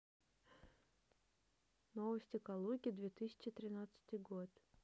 новости калуги две тысячи тринадцатый год